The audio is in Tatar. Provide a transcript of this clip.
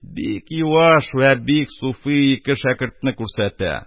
Бик юаш вә бик суфи ике шәкертне күрсәтә.